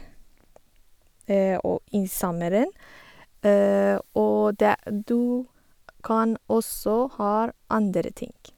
Og i sommeren og det du kan også her andre ting.